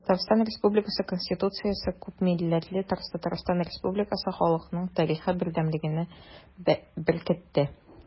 Татарстан Республикасы Конституциясе күпмилләтле Татарстан Республикасы халкының тарихы бердәмлеген беркетте.